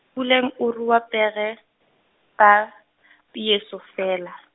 Puleng o rua pere, tsa, Peiso feela.